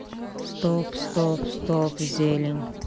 стоп стоп стоп зелень